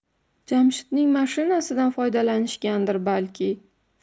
jamshidning mashinasidan foydalanishgandir balki